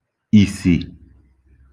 ìsì